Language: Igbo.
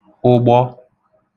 ụgbọ